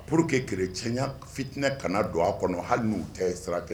Pur que kelencya fitinɛ kana don a kɔnɔ hali n'u tɛ saraka kɛ